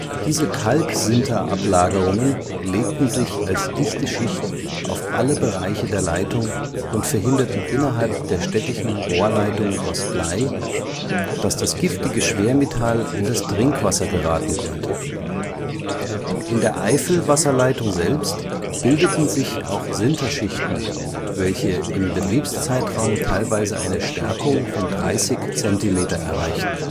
Diese Kalksinterablagerungen legten sich als dichte Schicht auf alle Bereiche der Leitung und verhinderten innerhalb der städtischen Rohrleitungen aus Blei, dass das giftige Schwermetall in das Trinkwasser geraten konnte. In der Eifelwasserleitung selbst bildeten sich auch Sinterschichten, welche im Betriebszeitraum teilweise eine Stärke von 30 cm erreichten